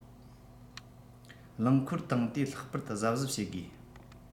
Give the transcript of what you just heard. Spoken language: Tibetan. རླངས འཁོར བཏང དུས ལྷག པར དུ གཟབ གཟབ བྱེད དགོས